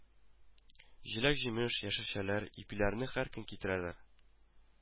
Җиләк-җимеш, яшелчәләр, ипиләрне һәркөн китерәләр